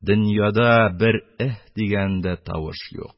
Дөньяда бер "эһ" дигән дә тавыш юк.